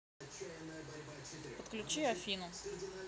подключи афину